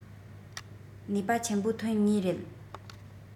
ནུས པ ཆེན པོ ཐོན ངེས རེད